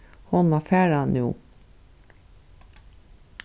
hon má fara nú